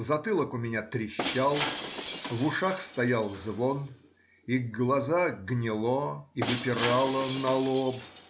затылок у меня трещал, в ушах стоял звон, и глаза гнело и выпирало на лоб.